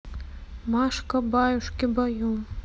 машка баюшки баю